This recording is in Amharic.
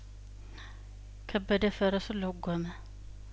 ከበደ ፈረሱን ለጐመ